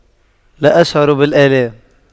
لا أشعر بالآلام